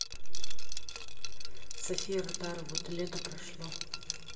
софия ротару вот и лето прошло